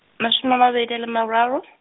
mashome a mabedi a le mararo .